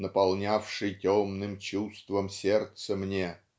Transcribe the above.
наполнявший темным чувством сердце мне"